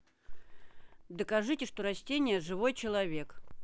докажите что растения живой человек